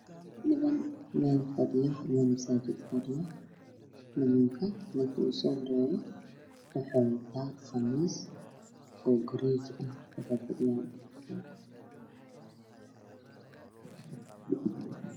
Waa niman masaajid fadhiyo ninka ugu soo horeeyo waxuu wataa qamiis gareeje ah.